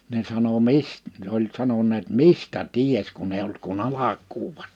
ne sanoi - oli sanoneet mistä tiesi kun ei ollut kuin alkua vasta